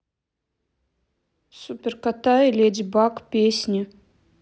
супер кота и леди баг песни